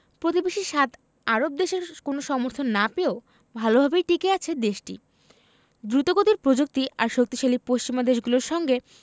প্রতিবেশী সাত আরব দেশের কোনো সমর্থন না পেয়েও ভালোভাবেই টিকে আছে দেশটি দ্রুতগতির প্রযুক্তি আর শক্তিশালী পশ্চিমা দেশগুলোর সঙ্গে